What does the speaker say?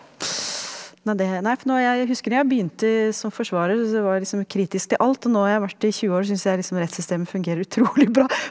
nei det nei for når jeg jeg husker når jeg begynte som forsvarer så var jeg liksom kritisk til alt, og nå har jeg vært det i 20 år syns jeg liksom rettssystemet fungerer utrolig bra.